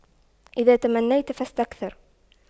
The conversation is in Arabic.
إذا تمنيت فاستكثر